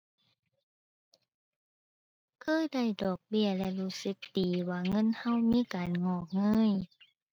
เคยได้ดอกเบี้ยแล้วรู้สึกดีว่าเงินเรามีการงอกเงย